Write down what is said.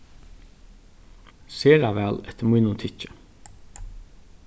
sera væl eftir mínum tykki